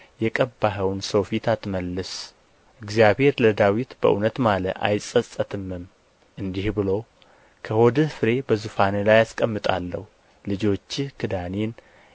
የቀባኸውን ሰው ፊት አትመልስ እግዚአብሔር ለዳዊት በእውነት ማለ አይጸጸትምም እንዲህ ብሎ ከሆድህ ፍሬ በዙፋንህ ላይ አስቀምጣለሁ ልጆችህ ኪዳኔን